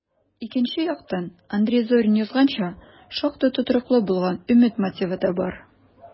Икенче яктан, Андрей Зорин язганча, шактый тотрыклы булган өмет мотивы да бар: